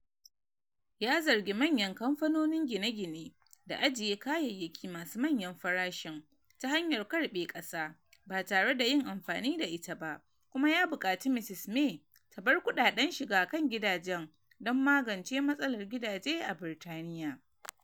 Ya zargi manyan Kamfanonin gine-gine da ajiye kayyaki masu manyan farashin ta hanyar karbe ƙasa ba tare da yin amfani da ita ba, kuma ya bukaci Mrs May ta bar kudaden shiga kan gidajen don magance "matsalar gidaje a Britaniya.”